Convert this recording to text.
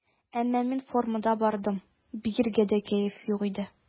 Әмма мин формадан бардым, биергә дә кәеф юк иде.